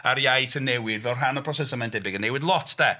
A'r iaith yn newid fel rhan o'r proses yma'n debyg. Mae'n newid lot de.